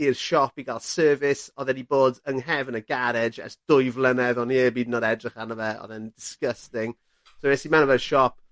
i'r siop i ga'l service odd e 'di bod yng nghefn y garej ers dwy flynedd o'n i 'eb 'yd yn o'd edrych arno fe odd e'n disgusting. So es i mewn i'r siop